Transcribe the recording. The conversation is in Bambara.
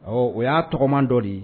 Ɔ o y'a tɔgɔma dɔ di